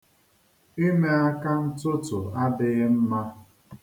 Ime aka ntụtụ adịghị mma.